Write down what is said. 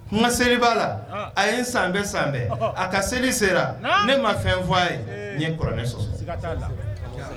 Ma se b'a la a ye n san bɛɛ san bɛɛ a ka seli sera ne ma fɛn fɔ a ye ye k kɔrɔɛ sɔrɔ t la